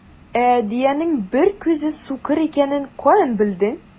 Ә дөянең бер күзе сукыр икәнен каян белдең?